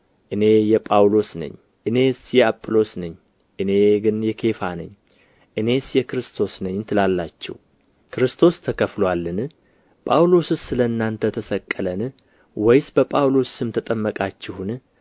እኔ የጳውሎስ ነኝ እኔስ የአጵሎስ ነኝ እኔ ግን የኬፋ ነኝ እኔስ የክርስቶስ ነኝ ትላላችሁ ክርስቶስ ተከፍሎአልን ጳውሎስስ ስለ እናንተ ተሰቀለን ወይስ በጳውሎስ ስም ተጠመቃችሁን